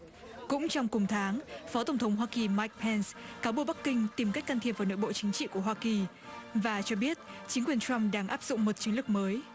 cũng trong cùng tháng phó tổng thống hoa kỳ mai pen cáo buộc bắc kinh tìm cách can thiệp vào nội bộ chính trị của hoa kỳ và cho biết chính quyền trăm đang áp dụng một chiến lược mới